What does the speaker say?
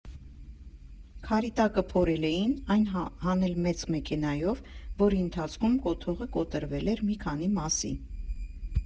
Քարի տակը փորել էին, այն հանել մեծ մեքենայով, որի ընթացքում կոթողը կոտրվել էր մի քանի մասի։